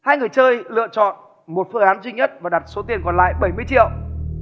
hai người chơi lựa chọn một phương án duy nhất và đặt số tiền còn lại bảy mươi triệu